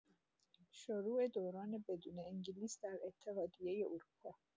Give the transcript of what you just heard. شروع دوران بدون انگلیس در اتحادیه اروپا